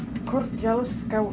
Cordial ysgaw.